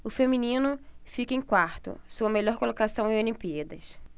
o feminino fica em quarto sua melhor colocação em olimpíadas